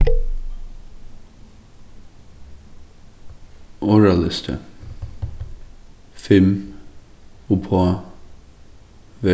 orðalisti fimm uppá